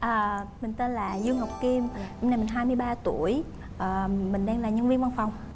à mình tên là dương ngọc kim năm nay mình hai mươi ba tuổi à mình đang là nhân viên văn phòng